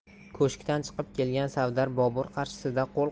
ko'shkdan chiqib kelgan savdar bobur qarshisida qo'l